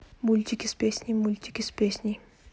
мультики с песней мультики с песней